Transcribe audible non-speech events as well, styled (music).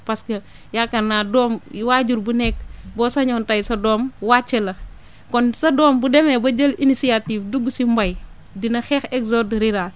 parce que yaakaar naa doom waajur bu nekk (noise) boo sañoon tey sa doom wàcce la kon sa doom bu demee bajël initiative dugg si mbéy dina xeex exode rural